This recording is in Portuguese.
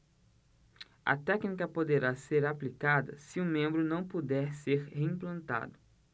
a técnica poderá ser aplicada se o membro não puder ser reimplantado